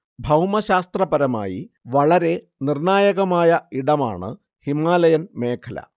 ഭൗമശാസ്ത്രപരമായി വളരെ നിർണായകമായ ഇടമാണ് ഹിമാലയൻ മേഖല